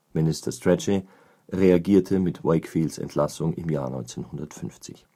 Minister Strachey reagierte mit Wakefields Entlassung im Januar 1950